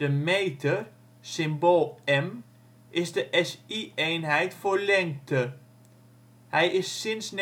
meter (symbool m) is de SI-eenheid voor lengte. Hij is sinds